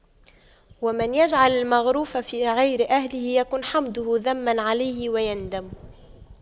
ومن يجعل المعروف في غير أهله يكن حمده ذما عليه ويندم